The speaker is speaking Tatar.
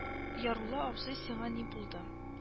Ярулла абзый сиңа ни булды